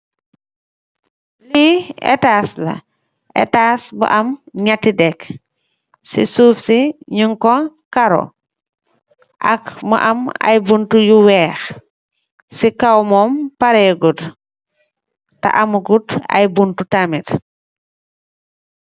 Lii etaas la, etaas bu am si suuf si ñaati dek, si suuf si ñung ko karo. Ak mu am buntu yu weex. Si kow mom, parégut, ta amagut ay buntu tamit.